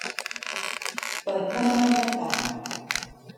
เปิดผ้าม่านหน้าต่าง